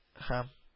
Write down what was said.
Һәм